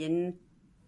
un...